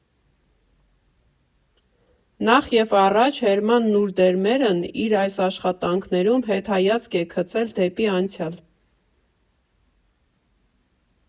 Նախևառաջ Հերման Նուրդերմերն իր այս աշխատանքներում հետայացք է գցել դեպի անցյալ.